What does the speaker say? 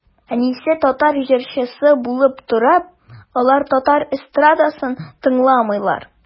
Әнисе татар җырчысы була торып, алар татар эстрадасын тыңламыйлар.